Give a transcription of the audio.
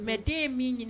Mɛ den ye min ɲini